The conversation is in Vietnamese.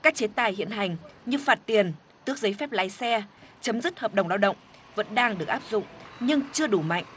các chế tài hiện hành như phạt tiền tước giấy phép lái xe chấm dứt hợp đồng lao động vẫn đang được áp dụng nhưng chưa đủ mạnh